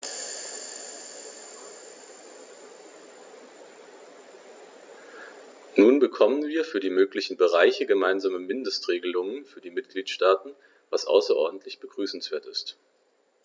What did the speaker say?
Nun bekommen wir für alle möglichen Bereiche gemeinsame Mindestregelungen für die Mitgliedstaaten, was außerordentlich begrüßenswert ist.